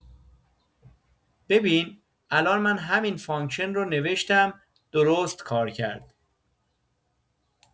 ببینین الان من همین فانکشن رو نوشتم درست‌کار کرد.